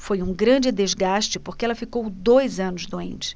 foi um grande desgaste porque ela ficou dois anos doente